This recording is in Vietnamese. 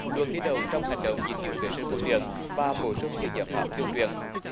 luôn đi đầu trong hành động gìn giữ vệ sinh môi trường và bổ sung nhiều giải pháp tuyên truyền